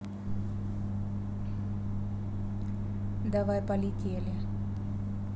давай полетели